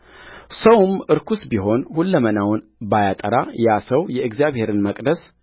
ሰውም ርኩስ ቢሆን ሁለመናውንም ባያጠራ ያ ሰው የእግዚአብሔርን መቅደስ